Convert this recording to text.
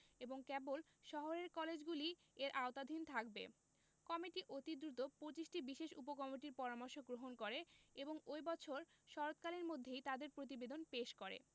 এবং কেবল শহরের কলেজগুলি এর আওতাধীন থাকবে কমিটি অতি দ্রুত ২৫টি বিশেষ উপকমিটির পরামর্শ গ্রহণ করে এবং ওই বছর শরৎকালের মধ্যেই তাদের প্রতিবেদন পেশ করে